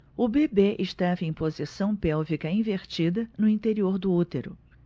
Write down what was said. o bebê estava em posição pélvica invertida no interior do útero